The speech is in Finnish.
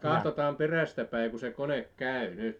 katsotaan perästä päin kun se kone käy nyt